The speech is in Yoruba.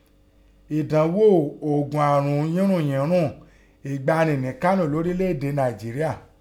Ẹ̀dánghò oògùn àrùn yírùnyírùẹ̀ ìgbàanì nẹ́ Kánò, lọ́rílẹ̀ èdèe Nàìjíríà.